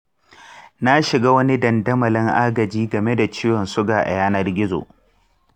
na shiga wani dandamalin agaji game da ciwon suga a yanar gizo.